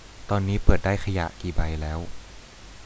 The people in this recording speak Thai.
ตอนนี้เปิดได้ขยะกี่ใบแล้ว